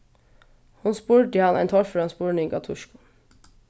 hon spurdi hann ein torføran spurning á týskum